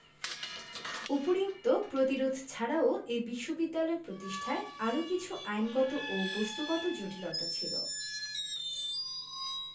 উপরিউক্ত প্রতিরোধ ছাড়াও এ বিশ্ববিদ্যালয় প্রতিষ্ঠায় আরও কিছু আইনগত ও বস্ত্তগত জটিলতা ছিল